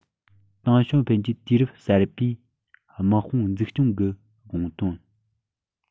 ཏེང ཞའོ ཕིན གྱི དུས རབས གསར པའི དམག དཔུང འཛུགས སྐྱོང གི དགོངས དོན